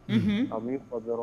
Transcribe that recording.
Unhun ka min fɔ dɔrɔn